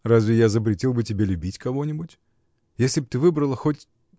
— Разве я запретил бы тебе любить кого-нибудь? если б ты выбрала хоть.